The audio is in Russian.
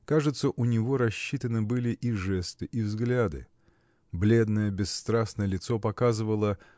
Кажется, у него рассчитаны были и жесты и взгляды. Бледное бесстрастное лицо показывало